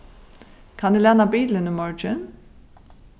kann eg læna bilin í morgin